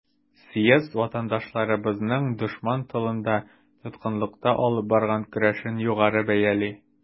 Съезд ватандашларыбызның дошман тылында, тоткынлыкта алып барган көрәшен югары бәяли.